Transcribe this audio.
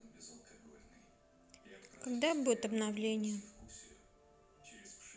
когда будут обновления